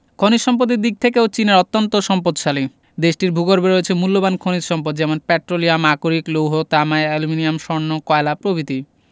খনিজ সম্পদের দিক থেকেও চীন অত্যান্ত সম্পদশালী দেশটির ভূগর্ভে রয়েছে মুল্যবান খনিজ সম্পদ যেমন পেট্রোলিয়াম আকরিক লৌহ তামা অ্যালুমিনিয়াম স্বর্ণ কয়লা প্রভৃতি